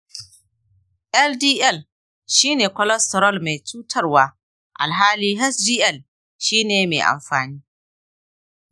ldl shi ne cholesterol mai cutarwa alhali hdl shi ne mai amfani